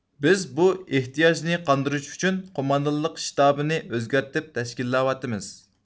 بىز بۇ ئېھتىياجنى قاندۇرۇش ئۈچۈن قوماندانلىق شتابىنى ئۆزگەرتىپ تەشكىللەۋاتىمىز